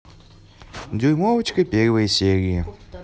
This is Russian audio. дюймовочка первые серии